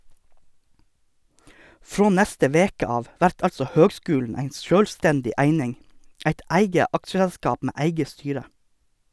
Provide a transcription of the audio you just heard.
Frå neste veke av vert altså høgskulen ei sjølvstendig eining, eit eige aksjeselskap med eige styre.